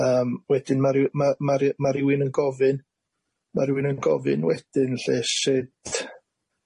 Yym wedyn ma' ryw- ma' ma' ry- ma' rywun yn gofyn ma' rywun yn gofyn wedyn lly sut